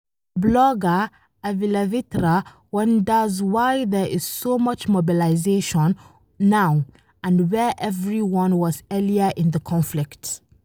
Blogger Avylavitra wonders why there is so much mobilization now and where everyone was earlier in the conflict (mg) ?